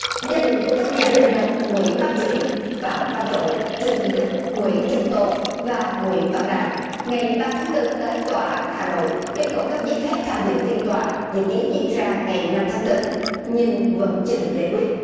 gia đình của các nhà tranh đấu nguyễn bắc truyển phạm văn trội trương minh đức nguyễn trung tôn và nguyễn văn đài ngày ba tháng tư tới tòa án hà nội yêu cầu cấp giấy phép tham dự phiên tòa dự kiến diễn ra ngày năm tháng tư nhưng vẫn chưa được giải quyết